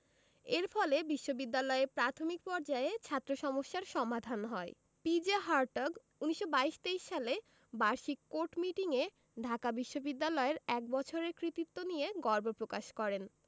এর ফলে বিশ্ববিদ্যালয়ে প্রাথমিক পর্যায়ে ছাত্র সমস্যার সমাধান হয় পি.জে হার্টগ ১৯২২ ২৩ সালে বার্ষিক কোর্ট মিটিং এ ঢাকা বিশ্ববিদ্যালয়ের এক বছরের কৃতিত্ব নিয়ে গর্ব প্রকাশ করেন